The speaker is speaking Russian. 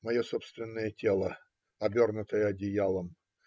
мое собственное тело, обернутое одеялом.